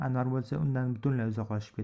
anvar bo'lsa undan butunlay uzoqlashib ketdi